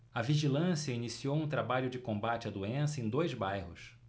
a vigilância iniciou um trabalho de combate à doença em dois bairros